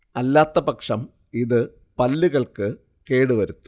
അല്ലാത്ത പക്ഷം ഇത് പല്ലുകൾക്കു കേടു വരുത്തും